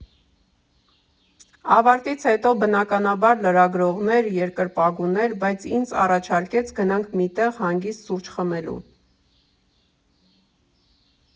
Ավարտից հետո բնականաբար լրագրողներ, երկրպագուներ, բայց ինձ առաջարկեց գնանք մի տեղ հանգիստ սուրճ խմելու։